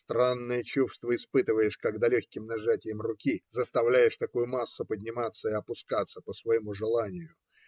Странное чувство испытываешь, когда легким нажатием руки заставляешь такую массу подниматься и опускаться по своему желанию.